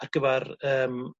ar gyfar yym